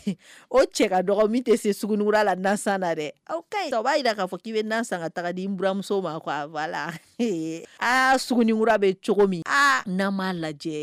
O cɛ ka min tɛ se la dɛ a b'a jira k'a k'i bɛ na ka taga diuramuso ma a la aaura bɛ cogo min n' maa lajɛ